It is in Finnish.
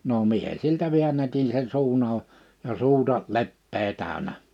no minä siltä väännätin sen suun auki ja suuta leppää täynnä